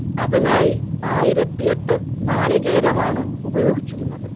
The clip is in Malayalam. അതിനായി ആയിരത്തിയെട്ട് നാളികേരമാണ് ഉപയോഗിച്ചിരുന്നത്